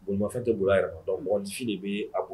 Bonyamafɛn tɛ bolo yɛrɛ dɔn mfi de bɛ a ko